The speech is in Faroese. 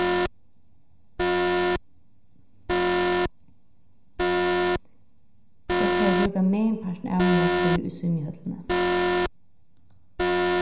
eg fari at brúka meginpartin av mínari tíð í svimjihøllini